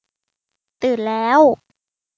ตื่นแล้ว